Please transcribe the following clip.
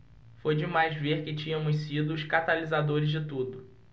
foi demais ver que tínhamos sido os catalisadores de tudo